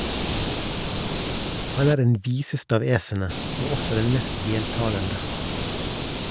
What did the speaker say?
Han er den viseste av æsene og også den mest veltalende.